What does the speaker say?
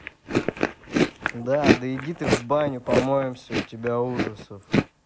да да иди ты в баню помоемся у тебя ужасов